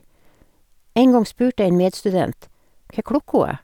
En gang spurte jeg en medstudent Ke klåkko er?